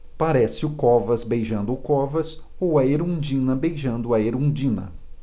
parece o covas beijando o covas ou a erundina beijando a erundina